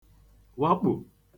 wakpò